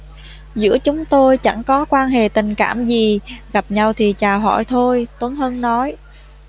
giữa chúng tôi chẳng có quan hệ tình cảm gì gặp nhau thì chào hỏi thôi tuấn hưng nói